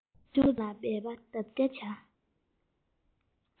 སློབ སྦྱོང ལ འབད པ ལྡབ བརྒྱ བྱ